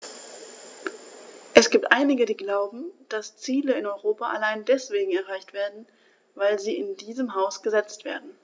Es gibt einige, die glauben, dass Ziele in Europa allein deswegen erreicht werden, weil sie in diesem Haus gesetzt werden.